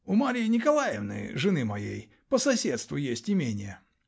-- У Марьи Николаевны -- жены моей -- по соседству есть имение.